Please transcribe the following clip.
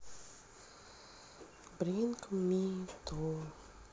бринг ми ту